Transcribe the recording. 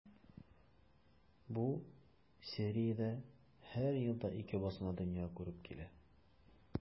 Бу сериядә һәр елда ике басма дөнья күреп килә.